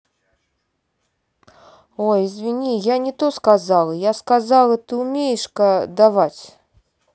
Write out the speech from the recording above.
ой извини я не то сказала я сказала ты умеешь ка давать